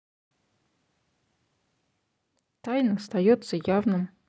тайна стается явным